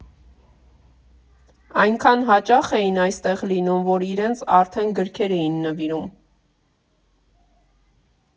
Այնքան հաճախ էին այստեղ լինում, որ իրենց արդեն գրքեր էին նվիրում։